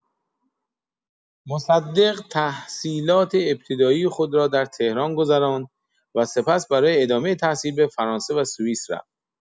مصدق تحصیلات ابتدایی خود را در تهران گذراند و سپس برای ادامه تحصیل به فرانسه و سوئیس رفت.